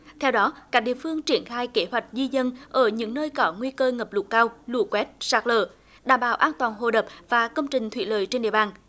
theo đó các địa phương triển khai kế hoạch di dân ở những nơi có nguy cơ ngập lũ cao lũ quét sạt lở đảm bảo an toàn hồ đập và công trình thủy lợi trên địa bàn